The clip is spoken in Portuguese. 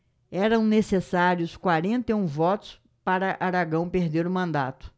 eram necessários quarenta e um votos para aragão perder o mandato